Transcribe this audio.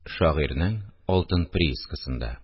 Шагыйрьнең алтын приискасында